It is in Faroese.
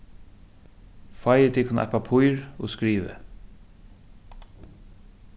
fáið tykkum eitt pappír og skrivið